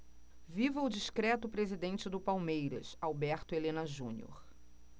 viva o discreto presidente do palmeiras alberto helena junior